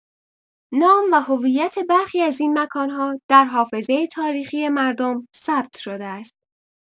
نام و هویت برخی از این مکان‌ها در حافظه تاریخی مردم ثبت شده است.